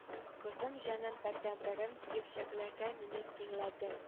Кызым җаным бердәнберем диеп чәчкәләргә мине тиңләдең